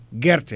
guerte